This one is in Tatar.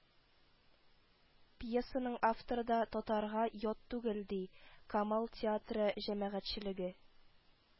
Пьесаның авторы да татарга ят түгел, ди Камал театры җәмәгатьчелеге